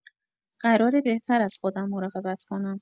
قراره بهتر از خودم مراقبت کنم.